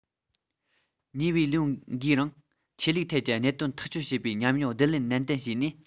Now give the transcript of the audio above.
ཉེ བའི ལོ འགའི རིང ཆོས ལུགས ཐད ཀྱི གནད དོན ཐག གཅོད བྱས པའི ཉམས མྱོང བསྡུ ལེན ནན ཏན བྱས ནས